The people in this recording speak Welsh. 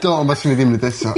Do waeth i mi ddim neud eto...